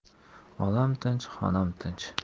olam tinch xonam tinch